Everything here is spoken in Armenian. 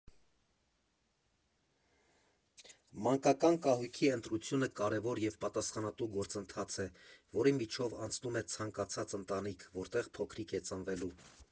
Մանկական կահույքի ընտրությունը կարևոր և պատասխանատու գործընթաց է, որի միջով անցնում է ցանկացած ընտանիք, որտեղ փոքրիկ է ծնվելու։